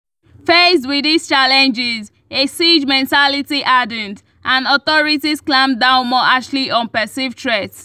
Faced with these challenges, a siege mentality hardened, and authorities clamped down more harshly on perceived threats.